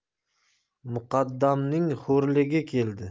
muqaddamning xo'rligi keldi